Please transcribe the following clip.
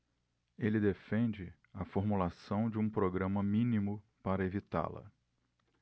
ele defende a formulação de um programa mínimo para evitá-la